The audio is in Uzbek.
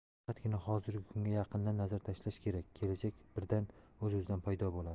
faqatgina hozirgi kunga yaqindan nazar tashlash kerak kelajak birdan o'z o'zidan paydo bo'ladi